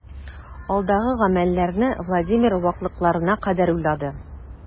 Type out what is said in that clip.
Алдагы гамәлләрне Владимир ваклыкларына кадәр уйлады.